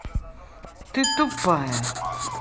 ты тупая